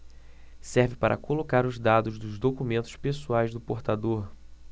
serve para colocar os dados dos documentos pessoais do portador